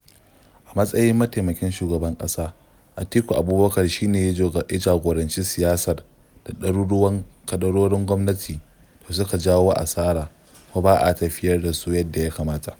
A matsayin mataimakin shugaban ƙasa, Atiku Abubakar shi ne ya jagoranci siyar da ɗaruruwan kadarorin gwamnati da suke jawo asara kuma ba a tafiyar da su yadda ya kamata.